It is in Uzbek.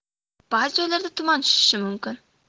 ba'zi joylarga tuman tushishi mumkin